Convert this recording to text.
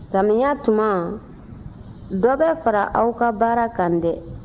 samiyɛ tuma dɔ bɛ fara aw ka baara kan dɛ